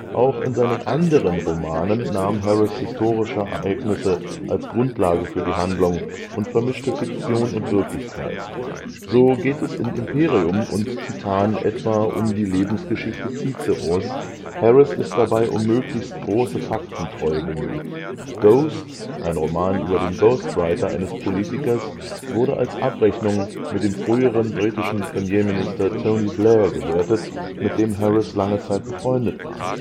Auch in seinen anderen Romanen nahm Harris historische Ereignisse als Grundlage für die Handlung und vermischte Fiktion und Wirklichkeit. So geht es in Imperium und Titan etwa um die Lebensgeschichte Ciceros. Harris ist dabei um möglichst große Faktentreue bemüht. Ghost, ein Roman über den Ghostwriter eines Politikers, wurde als Abrechnung mit dem früheren britischen Premierminister Tony Blair gewertet, mit dem Harris lange Zeit befreundet war